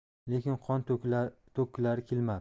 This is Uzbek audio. lekin qon to'kkilari kelmabdi